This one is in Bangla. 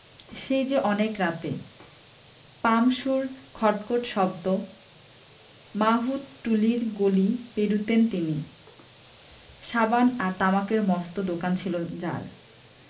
সেই যে অনেক রাতে পাম্পসুর খট খট শব্দ মাহুতটুলির গলি পেরুতেন তিনি সাবান আর তামাকের মস্ত দোকান ছিল যার